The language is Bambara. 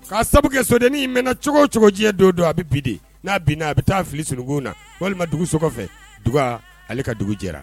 K'a sabu sodennin in mɛn na cogo cogojɛ don don a bɛ bi n'a bin a bɛ taa fili sunkun na walima dugu so kɔfɛ dug ale ka dugu jɛra